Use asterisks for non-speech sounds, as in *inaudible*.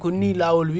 *noise* ko ni lawol wi